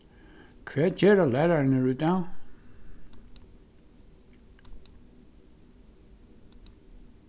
hvat gera lærararnir í dag